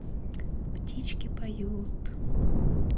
птички поют